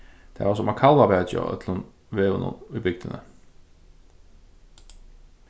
tað var sum á kalvabaki á øllum vegunum í bygdini